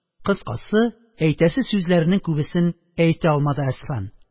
Кыскасы, әйтәсе сүзләренең күбесен әйтә алмады Әсфан.